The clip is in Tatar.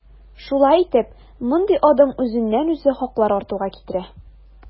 Шулай итеп, мондый адым үзеннән-үзе хаклар артуга китерә.